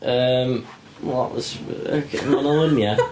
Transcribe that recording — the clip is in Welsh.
Yym wel, s- b- mae 'na luniau.